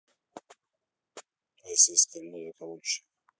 российская музыка лучшее